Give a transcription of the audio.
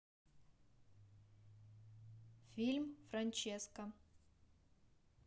фильм франческа